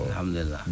alhamdulillah